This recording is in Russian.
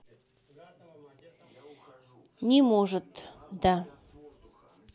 не может да